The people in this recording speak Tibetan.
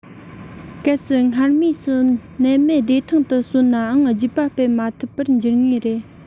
གལ སྲིད སྔར མུས སུ ནད མེད བདེ ཐང དུ གསོན ནའང རྒྱུད པ སྤེལ མི ཐུབ པར འགྱུར ངེས རེད